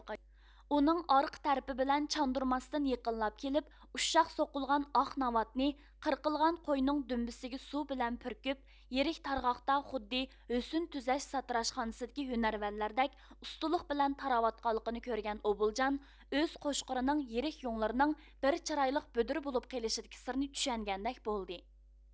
ئۇنىڭ ئارقا تەرىپى بىلەن چاندۇرماستىن يېقىنلاپ كېلىپ ئۇششاق سوقۇلغان ئاق ناۋاتنى قىرقىلغان قوينىڭ دۈمبىسىگە سۇ بىلەن پۈركۈپ يىرىك تارغاقتا خۇددى ھۆسن تۈزەش ساتىراچخانىسىدىكى ھۈنەرۋەنلەردەك ئۇستىلىق بىلەن تاراۋاتقانلىقىنى كۆرگەن ئۇبۇلجان ئۆز قوچقىرىنىڭ يىرىك يۇڭلىرىنىڭ بىر چىرايلىق بۈدرە بولۇپ قېلىشىدىكى سىرنى چۈشەنگەندەك بولدى